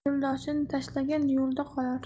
yo'ldoshini tashlagan yo'lda qolar